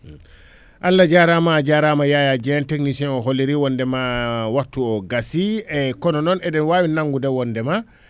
Allah jarama a jarama Yaya Dieng technicien o holliri wondema wktu o gassi e kono noon ene wawi nangude wondema